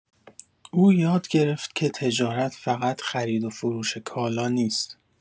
او یاد گرفت که تجارت فقط خرید و فروش کالا نیست.